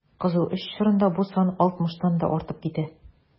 Кызу эш чорында бу сан 60 тан да артып китә.